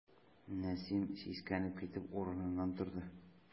Нәсим, сискәнеп китеп, урыныннан торды.